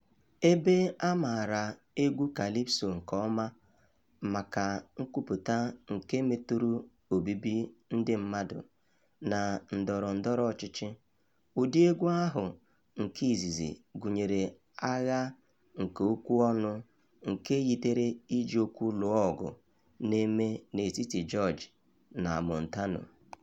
Ebe a maara egwu kalịpso nke ọma maka nkwupụta nke metụrụ obibi ndị mmadụ na nke ndọrọ ndọrọ ọchịchị, ụdị egwu ahụ nke izizi gụnyere agha nke okwu ọnụ nke yitere iji okwu lụọ ọgụ na-eme n'etiti George na Montano.